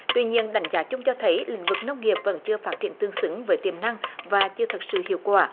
tuy nhiên đánh giá chung cho thấy lĩnh vực nông nghiệp vẫn chưa phát triển tương xứng với tiềm năng và chưa thật sự hiệu quả